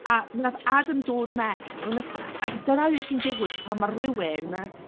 A wnaeth Adam dod mewn a dyna be sy'n digwydd pan mae rywun...